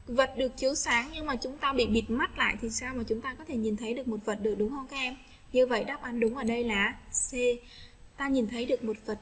vật được chiếu sáng nhưng mà chúng ta bị bịt mắt lại thì sao mà chúng ta có thể nhìn thấy được một vật được đúng không em như vậy đáp án đúng ở đây lá ta nhìn thấy được một vật